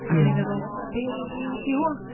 Ac o'n i'n meddwl, be 'di hwn?